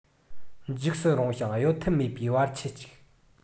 འཇིགས སུ རུང ཞིང གཡོལ ཐབས མེད པའི བར ཆད ཅིག